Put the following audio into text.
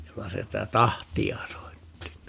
joka sitä tahtia soitti niin